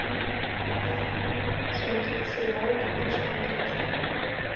смотреть сериал домашний арест